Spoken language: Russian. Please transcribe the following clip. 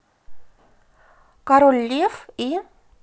король лев и